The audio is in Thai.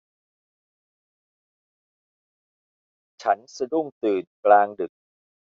ฉันสะดุ้งตื่นกลางดึก